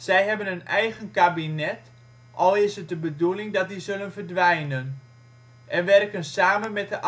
hebben een eigen kabinet (al is het de bedoeling dat die zullen verdwijnen) en werken samen met